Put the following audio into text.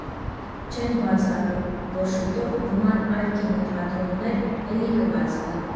Չենք բացառում, որ շուտով նման այլ կինոթատրոններ էլի կբացվեն Երևանում։